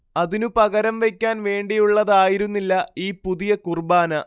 അതിനു പകരം വയ്ക്കാൻ വേണ്ടിയുള്ളതായിരുന്നില്ല ഈ പുതിയ കുർബ്ബാന